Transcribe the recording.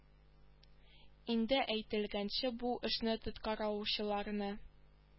Инде әйтелгәнчә бу эшне тоткарлаучыларны